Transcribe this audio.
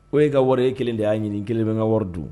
O ye ka wari e kelen de y'a ɲini kelen bɛ ka wari dun